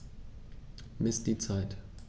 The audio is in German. Miss die Zeit.